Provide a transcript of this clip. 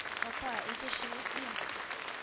Апа, әйдә чыгыйк дим